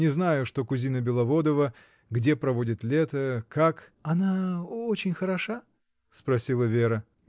Не знаю, что кузина Беловодова: где проводит лето, как. — Она. очень хороша? — спросила Вера.